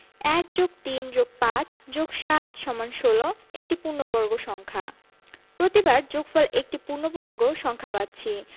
১+৩+৫+৭=১৬ একটি পূর্ণবর্গ সংখ্যা প্রতিবার যোগফল একটি পূর্ণবর্গ সংখ্যা পাচ্ছি